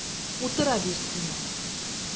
Утыра бирсеннәр!